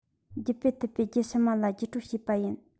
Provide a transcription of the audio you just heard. རྒྱུད སྤེལ ཐུབ པའི རྒྱུད ཕྱི མ ལ བརྒྱུད སྤྲོད བྱེད པ ཡིན